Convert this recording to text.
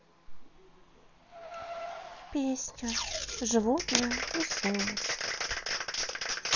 песня животные и сумочки